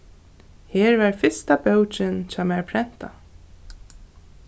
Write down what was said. her varð fyrsta bókin hjá mær prentað